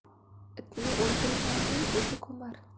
itni o'ldirganning o'zi ko'mar